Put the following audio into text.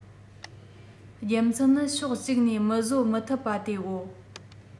རྒྱུ མཚན ནི ཕྱོགས གཅིག ནས མི བཟོད མི ཐུབ པ དེའོ